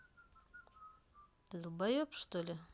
ты долбаеб что ли